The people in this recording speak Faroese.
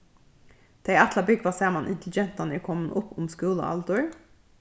tey ætla at búgva saman inntil gentan eru komin upp um skúlaaldur